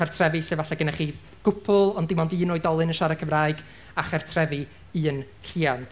cartrefi lle falle gennych chi gwpwl ond dim ond un oedolyn yn siarad Cymraeg, a chartrefi un rhiant.